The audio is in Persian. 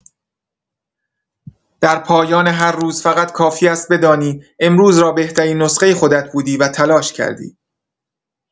در پایان هر روز فقط کافی است بدانی امروز را بهترین نسخه خودت بودی و تلاش کردی.